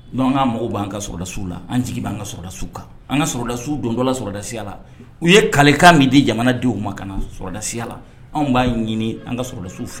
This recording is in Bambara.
Dɔnku ka mɔgɔw b'an kadasiw la an jigi b'an ka sɔrɔda su kan an kadasiw don dɔ ladasiya la u ye kalilekan min di jamana denw ma ka nadasiya la an b'a ɲini an kada feere